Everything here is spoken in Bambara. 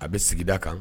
A bɛ sigida kan